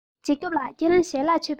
འཇིགས སྟོབས ལགས ཁྱེད རང ཞལ ལག མཆོད པས